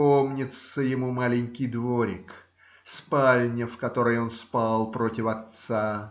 Помнится ему маленький домик, спальня, в которой он спал против отца.